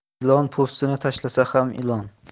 lion po'stini tashlasa ham ilon